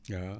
waa